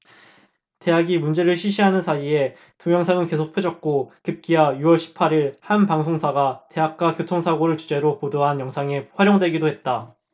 대학이 문제를 쉬쉬하는 사이에 동영상은 계속 퍼졌고 급기야 유 월 십 팔 일 한 방송사가 대학가 교통사고를 주제로 보도한 영상에 활용되기도 했다